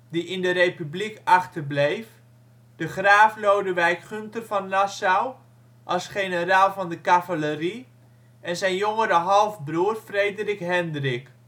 die in de Republiek achterbleef), de graaf Lodewijk Gunther van Nassau als generaal van de cavalerie, en zijn jongere halfbroer Frederik Hendrik